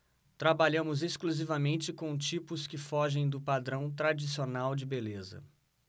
trabalhamos exclusivamente com tipos que fogem do padrão tradicional de beleza